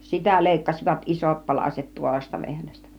sitä leikkasivat isot palaset tuoretta vehnästä